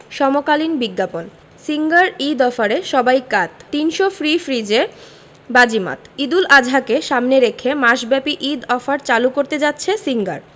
সমকালীন বিজ্ঞাপন সিঙ্গার ঈদ অফারে সবাই কাত ৩০০ ফ্রি ফ্রিজে বাজিমাত ঈদুল আজহাকে সামনে রেখে মাসব্যাপী ঈদ অফার চালু করতে যাচ্ছে সিঙ্গার